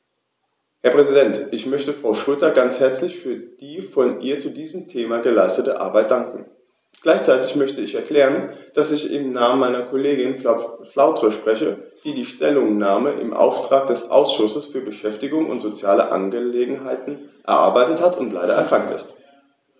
Herr Präsident, ich möchte Frau Schroedter ganz herzlich für die von ihr zu diesem Thema geleistete Arbeit danken. Gleichzeitig möchte ich erklären, dass ich im Namen meiner Kollegin Frau Flautre spreche, die die Stellungnahme im Auftrag des Ausschusses für Beschäftigung und soziale Angelegenheiten erarbeitet hat und leider erkrankt ist.